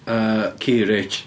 Yy ci rich.